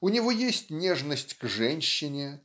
У него есть нежность к женщине